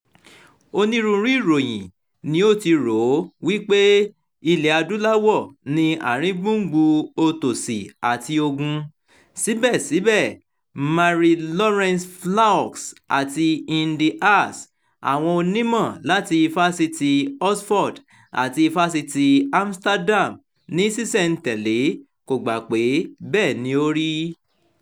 Onírúurú ìròyìn ni ó ti rò ó wípé Ilẹ̀-adúláwọ̀ ni àárín-ín gbùngùn òtòṣì àti ogun, síbẹ̀síbẹ̀, Marie-Laurence Flahaux àti Hein De Haas, àwọn onímọ̀ láti Ifásitì ti Oxford àti Ifásitì ti Amsterdam, ní ṣísẹ̀ntèlé, kò gbà pé bẹ́ẹ̀ ní ó rí.